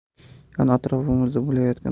yon atrofimizda bo'layotgan